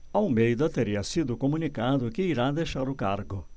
almeida teria sido comunicado que irá deixar o cargo